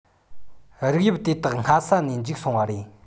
རིགས དབྱིབས དེ དག སྔ ས ནས འཇིག སོང བ རེད